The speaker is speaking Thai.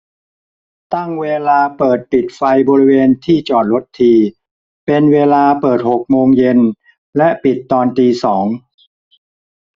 ตั้งเวลาเปิดปิดไฟบริเวณที่จอดรถทีเป็นเวลาเปิดหกโมงเย็นและปิดตอนตีสอง